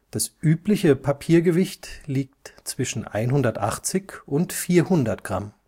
übliche Papiergewicht liegt zwischen 180 und 400 Gramm